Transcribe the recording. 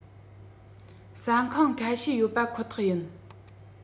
ཟ ཁང ཁ ཤས ཡོད པ ཁོ ཐག ཡིན